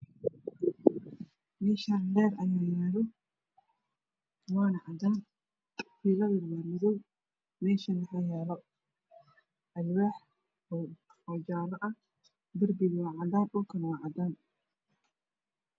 Meshaan leeer ayaa yalo waxa cadan filadana waa madoow .eshana waxaa yalo alwaaxa oo jala ah derbiga waa cadan dhulkana waa cadan